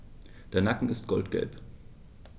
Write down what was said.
Der Nacken ist goldgelb.